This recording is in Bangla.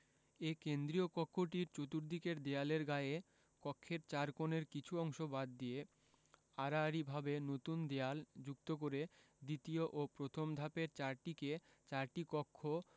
এ কেন্দ্রীয় কক্ষটির চর্তুদিকের দেয়ালের গায়ে কক্ষের চার কোণের কিছু অংশ বাদ দিয়ে আড়াআড়ি ভাবে নতুন দেয়াল যুক্ত করে দ্বিতীয় ও প্রথম ধাপের চারদিকে চারটি কক্ষ